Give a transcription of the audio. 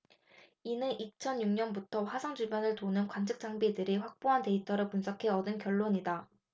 이는 이천 육 년부터 화성 주변을 도는 관측 장비들이 확보한 데이터를 분석해 얻은 결론이다